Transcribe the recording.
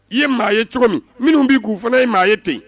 I ye maa ye cogo min minnu b'i'u fana ye maa ye ten